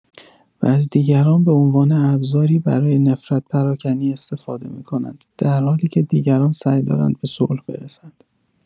و از دیگران به عنوان ابزاری برای نفرت پراکنی استفاده می‌کند درحالی که دیگران سعی دارند به صلح برسند.